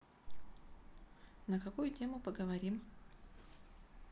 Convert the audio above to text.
на какую тему поговорим